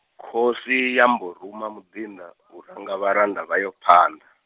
khosi yambo ruma muḓinḓa, u ranga vhalanda vhayo phanḓa.